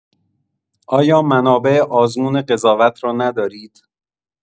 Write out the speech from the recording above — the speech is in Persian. آیا منابع آزمون قضاوت رو ندارید؟